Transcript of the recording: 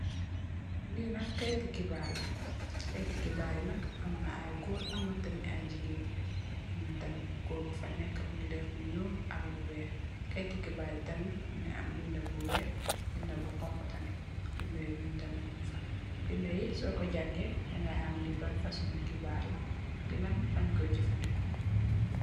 Li nak kayiti xibarr la, kayiti xibarr yi nak am na ay gór am na tamid ay jigeen. Am na tam gór bu fa nekka mugii dèf lu ñuul ak lu wèèx. Kayiti xibarr tamid mugii am bindé bu wèèx bindé bu xonxu tamid, bindé bu ñuul tamid mug fa. Bindé yi so ko jangèè di xam li ban fasungi kayiti xibarr la ak lan lañ koy jafandiko.